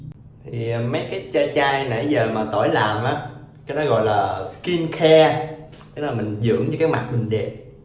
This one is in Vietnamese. thì mấy chai chai nãy giờ mà tỏi làm á cái đó gọi là sờ kin khe cái đó mình dưỡng cho cái mặt mình đẹp